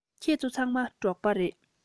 ཁྱེད ཚོ ཚང མ འབྲོག པ རེད